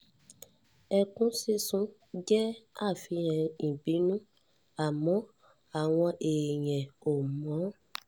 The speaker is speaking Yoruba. Ẹkún síssun jẹ́ àfihàn ìbínú àmọ́ àwọn èèyàn ‘ò mọ̀.